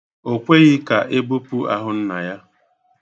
O kweghị ka e bupụ ahụ nna ya.